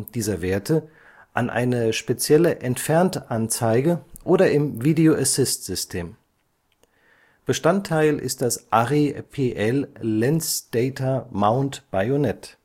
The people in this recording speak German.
dieser Werte an eine spezielle Entferntanzeige oder im Video-Assist-System. Bestandteil ist das Arri PL -" Lens Data Mount "- Bajonett